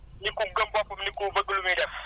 nit ku gëm boppam nit ku bëgg li muy def